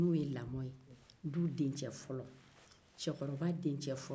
n'o ye laɔ ye du dencɛ fɔlɔ cɛkɔkɔrɔba dencɛ fɔlɔ